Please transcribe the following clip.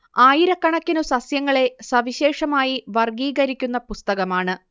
ആയിരക്കണക്കിനു സസ്യങ്ങളെ സവിശേഷമായി വർഗ്ഗീകരിക്കുന്ന പുസ്തകമാണ്